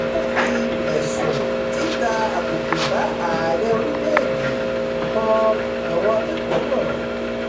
Wọ́n fi ẹ̀sùn "títa àbùkù bá Ààrẹ orílẹ̀-èdè" kan àwọn akẹ́kọ̀ọ́ náà.